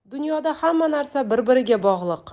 dunyoda hamma narsa bir biriga bog'liq